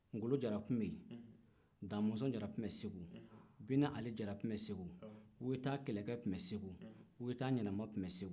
ngolo jara tun bɛ yen damɔnzon jara tun bɛ segu bina ali jara tun bɛ segu weta kɛlɛkɛ tun bɛ segu weta ɲɛnama tun bɛ segu